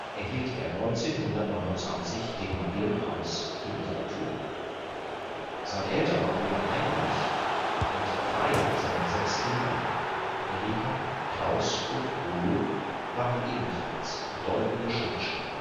erhielt er 1929 den Nobelpreis für Literatur. Sein älterer Bruder Heinrich und drei seiner sechs Kinder, Erika, Klaus und Golo, waren ebenfalls bedeutende Schriftsteller